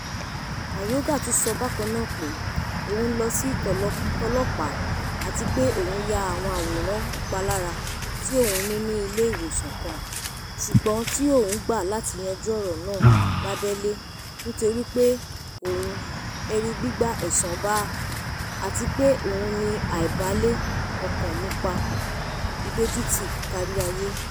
Mayorga tún sọ bákan náà pé òun lọ sí t’ọlọ́pàá àtipé òun yà àwọn àwòrán ìpalára tí òun ní ní ìlé ìwòsàn kan, ṣùgbọ́n tí òwun gbà láti yanjú ọ̀rọ̀ náà lábẹ́lé nítorípé òwn “ẹ̀rù gbíga ẹ̀sàn bà á” àtí pé òun ní àibàlẹ̀ ọkàn nípa “ìdójútì káríáyé”